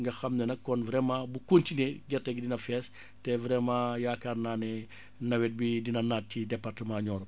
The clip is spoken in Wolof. nga xam ne nag kon vraiment bu continuer gerte gi dina fees te vraiment yaakaar naa ne nawet bi dina naat ci département Nioro